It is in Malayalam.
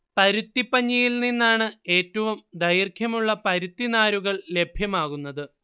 പരുത്തിപ്പഞ്ഞിയിൽ നിന്നാണ് ഏറ്റവും ദൈർഘ്യമുളള പരുത്തി നാരുകൾ ലഭ്യമാകുന്നത്